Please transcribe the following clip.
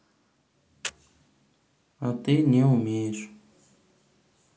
а ты не умеешь